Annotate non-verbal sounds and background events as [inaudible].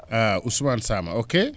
[hesitation] Ousmane Samaa ok